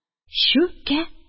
Чү кә!..